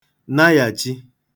nayàchi